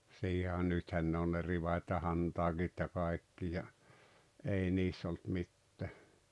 siihen - nythän ne on ne rivat ja hantaakit ja kaikki ja ei niissä - ollut mitään